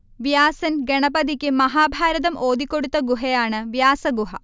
വ്യാസൻ ഗണപതിക്ക് മഹാഭാരതം ഓതിക്കൊടുത്ത ഗുഹയാണ് വ്യാസഗുഹ